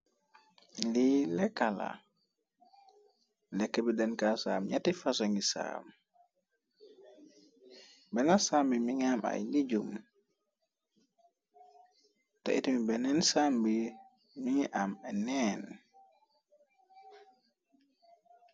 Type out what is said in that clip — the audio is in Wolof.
Lii lekkala lekk bi denka saam ñatti faso ngi saam. Benna sambi mi ngi am ay lijjum. Te itumi beneen sambi mingi am neen.